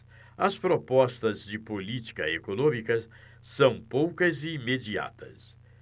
as propostas de política econômica são poucas e imediatas